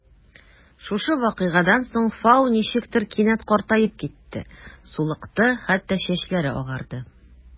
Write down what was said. Шушы вакыйгадан соң Фау ничектер кинәт картаеп китте: сулыкты, хәтта чәчләре агарды.